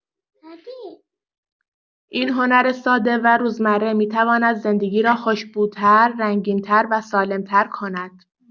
این هنر ساده و روزمره می‌تواند زندگی را خوش‌بوتر، رنگین‌تر و سالم‌تر کند.